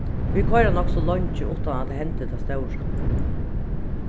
vit koyra nokk so leingi uttan at tað hendir tað stóra